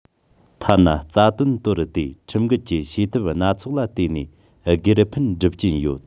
ཐ ན རྩ དོན དོར ཏེ ཁྲིམས འགལ གྱི བྱེད ཐབས སྣ ཚོགས ལ བརྟེན ནས སྒེར ཕན སྒྲུབ ཀྱི ཡོད